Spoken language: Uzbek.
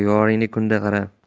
yoringga kunda qara